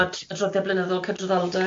timod adroddiad blynyddol cydraddoldeb.